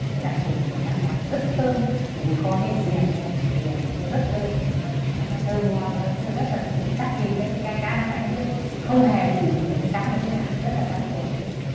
cái đặc thù của cá mòi rất thơm vì kho với riềng riềng thì nó rất thơm mà thơm ngon mà nó rất là chắc thịt đấy cá đóng anh biết không hề bị bủn cá một tý nào rất là rắn thịt như thế